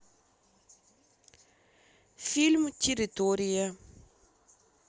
фильм территория